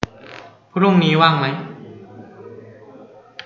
พรุ่งนี้ว่างมั้ย